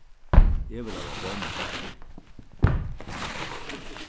eg vil hava bomm